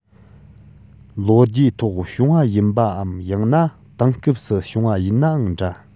ལོ རྒྱུས ཐོག བྱུང བ ཡིན པའམ ཡང ན དེང སྐབས སུ བྱུང བ ཡིན ནའང འདྲ